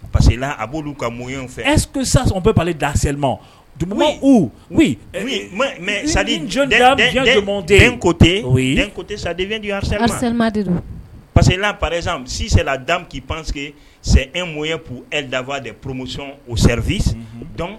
Parcesekela a b'olu ka muny in fɛ ɛ sasɔnɔn bɛɛ bali dan sama dugu sa kote o ye kote saden pa quela parez sila da'i pansse sɛ e mɔ ye b'u e lafa de porosɔn o sɛfin